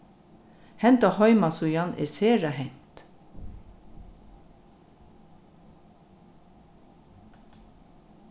henda heimasíðan er sera hent